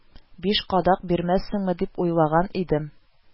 – биш кадак бирмәссеңме дип уйлаган идем